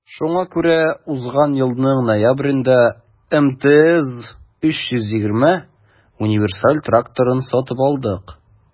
Шуңа күрә узган елның ноябрендә МТЗ 320 универсаль тракторын сатып алдык.